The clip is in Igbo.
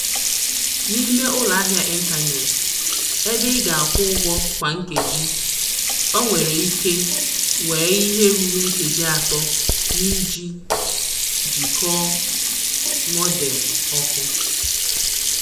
N'ime ụlọahịa ịntaneetị, ebe ị ga-akwụ ụgwọ kwa nkeji, o nwere ike wee ihe ruru nkeji atọ n'iji njikọ modem òkù.